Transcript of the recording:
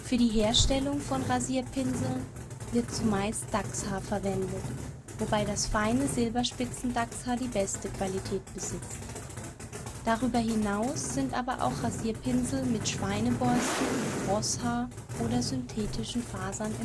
die Herstellung von Rasierpinseln wird zumeist Dachshaar verwendet, wobei das feine Silberspitzendachshaar die beste Qualität besitzt. Darüber hinaus sind aber auch Rasierpinsel mit Schweineborsten, Rosshaar oder synthetischen Fasern